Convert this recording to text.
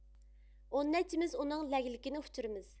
ئون نەچچىمىز ئۇنىڭ لەگلىكىنى ئۇچۇرىمىز